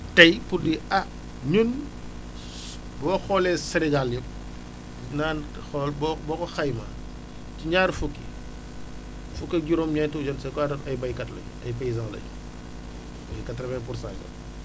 tey pour ni ah ñun su boo xoolee Sénégal yëpp naan xool boo ko xaymaaci ñaar fukk fukk ak juróom-ñeent ou je ne sais quoi d' autre ay béykat lañu ay paysans lañu ay 80 pour cent yooyu